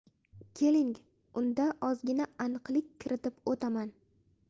keling unda ozgina aniqlik kiritib o'taman